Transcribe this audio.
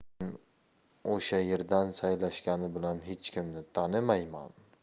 meni o'sha yerdan saylashgani bilan hech kimni tanimayman